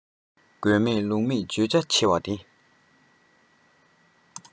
དགོས མེད ལུགས མེད བརྗོད བྱ བྱེད པ ཡི